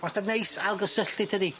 Wastad neis ailgysylltu tydi?